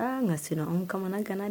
Aa nga Sina anw kamanan ganna